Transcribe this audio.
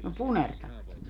no punertavat